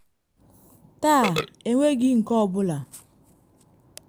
“Taa, enweghị nke ọ bụla.”